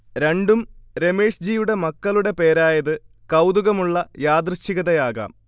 രണ്ടും രമേഷ്ജിയുടെ മക്കളുടെ പേരായത് കൗതുകമുള്ള യാദൃച്ഛികതയാകാം